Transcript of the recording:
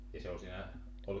ja se oli siinä olki